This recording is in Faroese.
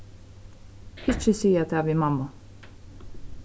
ikki siga tað við mammu